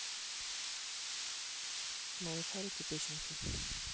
малышарики песенки